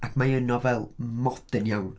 Ac mae hi yn nofel modern iawn.